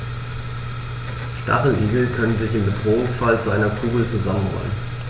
Stacheligel können sich im Bedrohungsfall zu einer Kugel zusammenrollen.